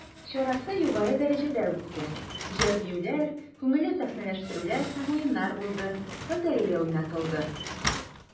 Чарасы югары дәрәҗәдә үтте, җыр-биюләр, күңелле сәхнәләштерүләр һәм уеннар булды, лотерея уйнатылды.